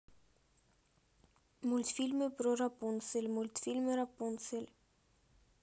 мультфильмы про рапунцель мультфильмы рапунцель